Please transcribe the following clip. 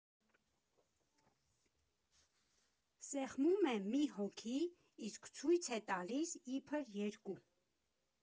Սեղմում է մի հոգի, իսկ ցույց է տալիս իբր երկու։